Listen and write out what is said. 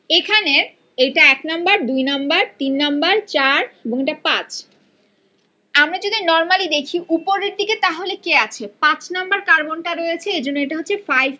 এখানে যে এটা এক নাম্বার দুই নাম্বার তিন নাম্বার 4 এটা 5 আমরা যদি নরমালি দেখি উপরের দিকে তাহলে কে আগে পাঁচ নাম্বার কার্বনটা রয়েছে এজন্য এটা হচ্ছে ৫